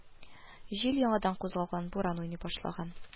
Җил яңадан кузгалган, буран уйный башлаган